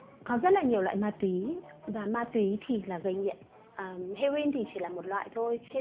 có rất nhiều loại ma túy và ma túy thì là gây nghiện heroin thì chỉ là một loại thôi